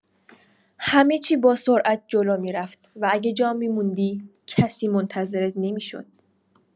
همه‌چی با سرعت جلو می‌رفت و اگه جا می‌موندی، کسی منتظرت نمی‌شد.